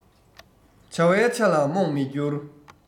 བྱ བའི ཆ ལ རྨོངས མི འགྱུར